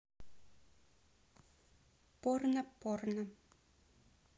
порно порно